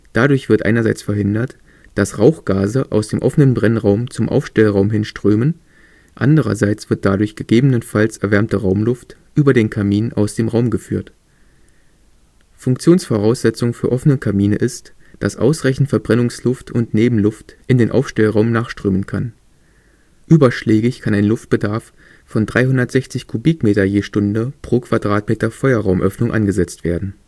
Dadurch wird einerseits verhindert, dass Rauchgase aus dem offenen Brennraum zum Aufstellraum hin strömen. Andererseits wird dadurch ggf. erwärmte Raumluft über den Kamin aus dem Raum geführt. Funktionsvoraussetzung für offene Kamine ist, dass ausreichend Verbrennungsluft und Nebenluft in den Aufstellraum nachströmen kann. Überschlägig kann ein Luftbedarf von 360 m³/h pro m² Feuerraumöffnung angesetzt werden